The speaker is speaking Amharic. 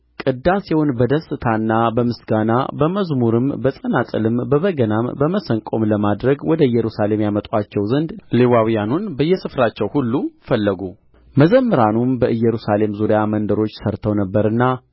ዳሴውን በደስታና በምስጋና በመዝሙርም በጸናጽልም በበገናም በመሰንቆም ለማድረግ ወደ ኢየሩሳሌም ያመጡአቸው ዘንድ ሌዋውያኑን በየስፍራቸው ሁሉ ፈለጉ